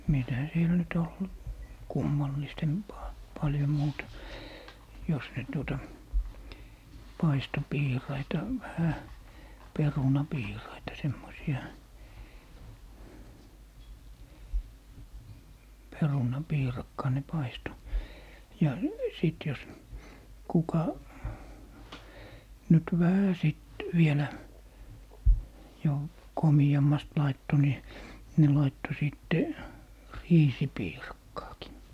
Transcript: mitä siellä nyt oli kummallisempaa paljon muuta jos nyt tuota paistoi piiraita vähän perunapiiraita semmoisia perunapiirakkaa ne paistoi ja sitten jos kuka nyt vähän sitten vielä jo komeammasti laittoi niin ne laittoi sitten riisipiirakkaakin